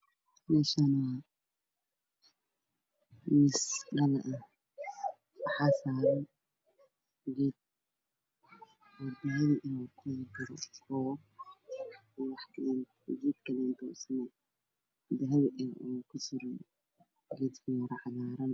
Meeshaani waa qol waxaa yaalo miis dhala ah lankiisu yahay dahabi yada waa caddaan yada waa caddaan